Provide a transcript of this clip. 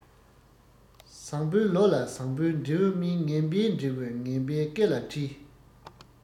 བཟང པོའི ལོ ལ བཟང པོའི འབྲས བུ སྨིན ངན པའི འབྲས བུ ངན པའི སྐེ ལ འཁྲིལ